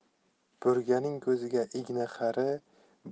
buiganing ko'ziga igna xari